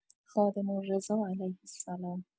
خادم‌الرضا علیه‌السلام